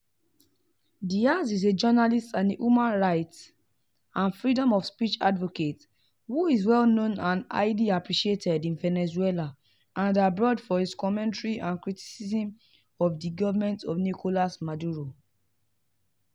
Díaz is a journalist and a human rights and freedom of speech advocate who is well known and highly appreciated in Venezuela and abroad for his commentary and criticism of the government of Nicolas Maduro.